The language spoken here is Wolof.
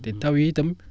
te taw yi tam